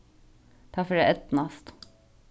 tað fer at eydnast